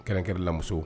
Kɛrɛnkɛrɛn la musow